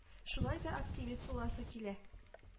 Шулай да оптимист буласы килә